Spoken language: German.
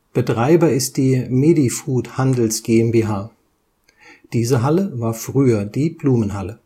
Betreiber ist die Medi-Food Handels GmbH. Diese Halle war früher die Blumenhalle